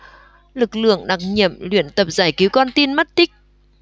lực lượng đặc nhiệm luyện tập giải cứu con tin mất tích